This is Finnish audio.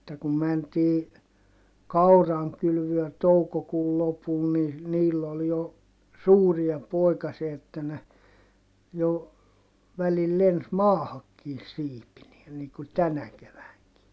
että kun mentiin kaurankylvöön toukokuun lopulla niin niillä oli jo suuria poikasia että ne jo välillä lensi maahankin siipineen niin kuin tänä keväänäkin